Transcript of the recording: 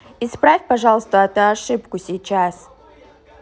исправь пожалуйста эту ошибку сейчас